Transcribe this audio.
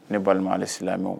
Ne balima ale silamɛ